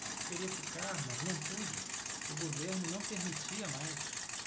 queria ficar mas não pude o governo não permitia mais